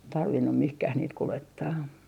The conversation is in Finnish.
tarvinnut mihinkään niitä kuljettaa